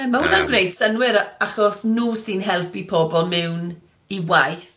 Ie ma' hwnna'n gwneud synnwyr yy achos nhw sy'n helpu pobl mewn i waith.